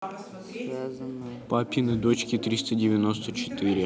папины дочки триста девяносто четыре